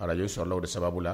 Radio sɔrɔ la o de sababu la